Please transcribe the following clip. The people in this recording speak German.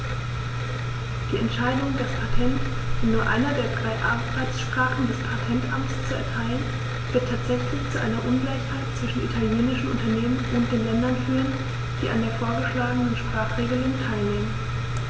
Die Entscheidung, das Patent in nur einer der drei Arbeitssprachen des Patentamts zu erteilen, wird tatsächlich zu einer Ungleichheit zwischen italienischen Unternehmen und den Ländern führen, die an der vorgeschlagenen Sprachregelung teilnehmen.